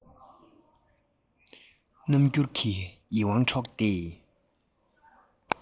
རྣམ འགྱུར གྱིས ཡིད དབང འཕྲོག སྟེ